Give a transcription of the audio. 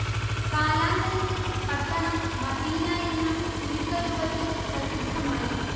കാലാന്തരത്തിൽ പട്ടണം മദീന എന്ന ചുരുക്കരൂപത്തിൽ പ്രസിദ്ധമായി